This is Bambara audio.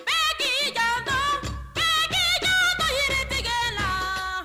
Maa k'itan masakɛ tɛ tɛ tiga la